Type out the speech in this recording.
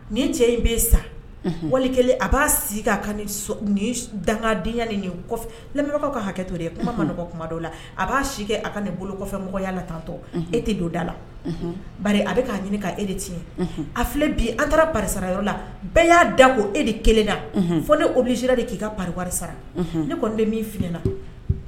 Nin cɛ in bɛ sa wali a b'a sigi dangadenyaya ni nebagaw ka hakɛ ye kuma man kuma dɔw la a b'a si a ka nin bolo kɔfɛmɔgɔya la tantɔ e tɛ don da la ba a bɛ k'a ɲini' e de ti a filɛ bi an taarasa yɔrɔ la bɛɛ y'a da ko e de kelen na fo ne oluzra de k'i ka sara ne kɔni min fna